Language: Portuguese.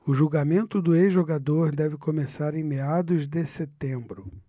o julgamento do ex-jogador deve começar em meados de setembro